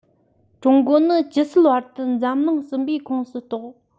ཀྲུང གོ ནི ཇི སྲིད བར དུ འཛམ གླིང གསུམ པའི ཁོངས སུ གཏོགས